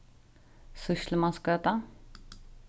sýslumansgøta